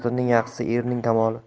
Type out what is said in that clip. xotinning yaxshisi erning kamoli